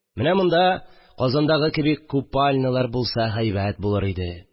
Менә монда Казандагы кеби купальнялар булса, һәйбәт булыр иде.